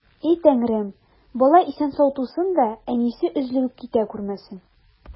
И Тәңрем, бала исән-сау тусын да, әнисе өзлегеп китә күрмәсен!